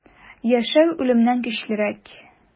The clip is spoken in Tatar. Яшәү үлемнән көчлерәк.